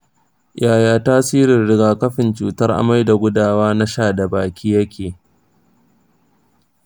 yaya tasirin rigakafin cutar amai da gudawa na sha da baki ya ke?